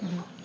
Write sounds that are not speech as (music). (hesitation) (hesitation)